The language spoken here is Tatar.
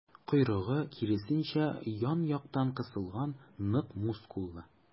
Койрыгы, киресенчә, ян-яктан кысылган, нык мускуллы.